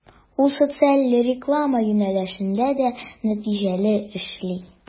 Ул социаль реклама юнәлешендә дә нәтиҗәле эшли.